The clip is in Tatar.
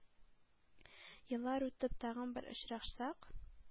Еллар үтеп, тагын бер очрашсак,